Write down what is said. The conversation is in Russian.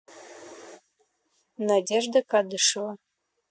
надежда кадышева